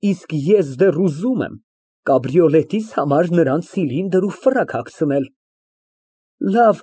Իսկ ես դեռ ուզում եմ կաբրիոլետիս համար նրան ցիլինդր ու ֆրակ հագցնել։